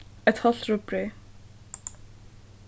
eitt hálvt rugbreyð